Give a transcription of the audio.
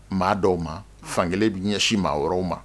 Maa dɔw ma fan kelen bɛ ɲɛsin maa wɛrɛ ma